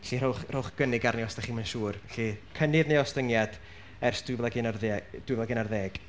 felly rhowch rhowch gynnig arni os dach chi'm yn siŵr. Felly cynnydd neu ostyngiad ers dwy fil ac unarddia- dwy fil ac unarddeg?